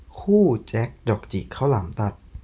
คู่แจ็คดอกจิกข้าวหลามตัด